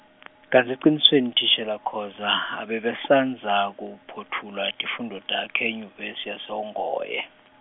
kantsi ecinisweni thishela Khoza, abebasandza kuphotfula tifundvo takhe enyuvesi yase-Ongoye.